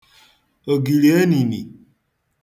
ògìlì enìnì